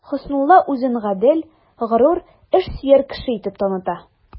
Хөснулла үзен гадел, горур, эшсөяр кеше итеп таныта.